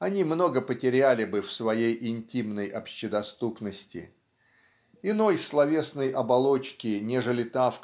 они много потеряли бы в своей интимной общедоступности. Иной словесной оболочки нежели та